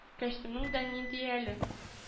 Кәчтүмнең дә ниндие әле